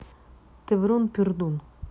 ты врун пердун